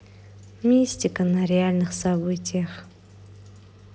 мистика на реальных событиях